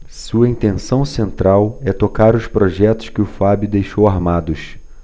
sua intenção central é tocar os projetos que o fábio deixou armados